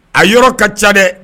A yɔrɔ ka ca dɛ.